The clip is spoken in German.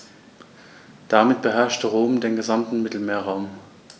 Damit beherrschte Rom den gesamten Mittelmeerraum.